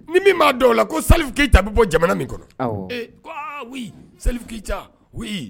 Ni min b'a dɔn la ko safki bɛ bɔ jamana min kɔnɔ ee saf ca